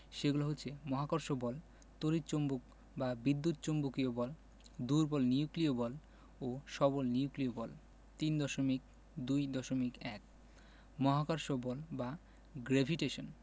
সেগুলো হচ্ছে মহাকর্ষ বল তড়িৎ চৌম্বক বা বিদ্যুৎ চৌম্বকীয় বল দুর্বল নিউক্লিয় বল ও সবল নিউক্লিয় বল ৩.২.১ মহাকর্ষ বল বা গ্রেভিটেশন